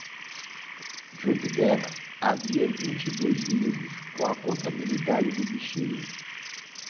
junto dela havia vinte e dois livros com a contabilidade do bicheiro